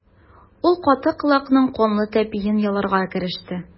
Ул каты колакның канлы тәпиен яларга кереште.